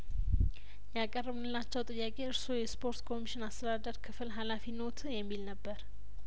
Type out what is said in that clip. ያቀረብንላቸው ጥያቄ እርስዎ የስፖርት ኮሚሽን አስተዳደር ክፍል ሀላፊነዎት የሚል ነበር